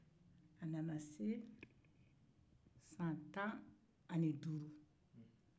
a nana se san tan ni duuru